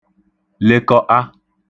lekọ'a